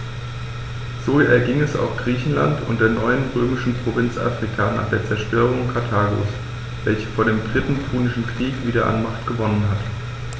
So erging es auch Griechenland und der neuen römischen Provinz Afrika nach der Zerstörung Karthagos, welches vor dem Dritten Punischen Krieg wieder an Macht gewonnen hatte.